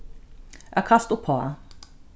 at kasta uppá